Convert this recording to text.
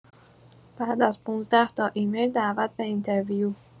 بعد از ۱۵ تا ایمیل دعوت به اینترویو